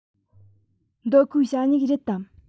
འདི ཁོའི ཞ སྨྱུག རེད དམ